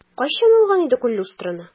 Кайчан алган идек ул люстраны?